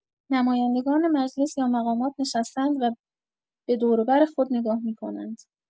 نمایندگان مجلس یا مقامات نشسته‌اند و به دوروبر خود نگاه می‌کنند.